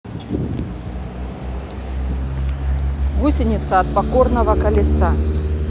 гусеница от покорного колеса